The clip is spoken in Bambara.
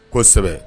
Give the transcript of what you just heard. Kosɛbɛ